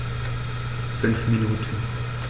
5 Minuten